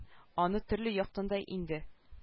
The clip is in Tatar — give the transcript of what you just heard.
Аны төрле яктан да инде